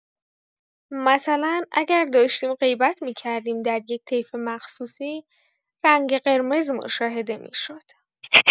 مثلا اگر داشتیم غیبت می‌کردیم در یک طیف مخصوصی رنگ قرمز مشاهده می‌شد!